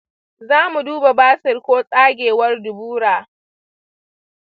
za mu duba basir ko tsagewar dubura.